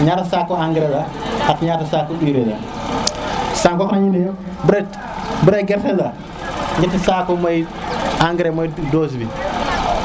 ñata saku engrais la ak ñata saku urée la saku engrais nak bude gerte la nieti saku engrais moy dose bi